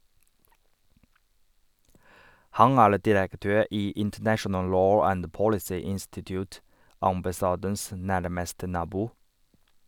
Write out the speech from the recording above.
Han er direktør i "International law and policy institute", ambassadens nærmeste nabo.